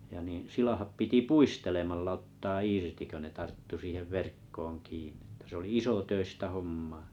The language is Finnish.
ja niin silakat piti puistelemalla ottaa irti kun ne tarttui siihen verkkoon kiinni että se oli isotöistä hommaa